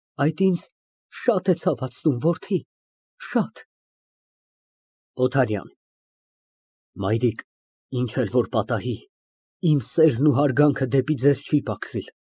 Այդ ինձ շատ է ցավեցնում, որդի, շատ… ՕԹԱՐՅԱՆ ֊ Մայրիկ, ինչ էլ որ պատահի, իմ սերն ու հարգանքը դեպի ձեզ չի պակասիլ։